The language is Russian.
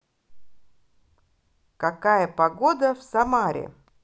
какая погода в самаре